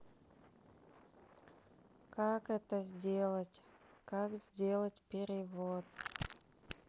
как это сделать как сделать перевод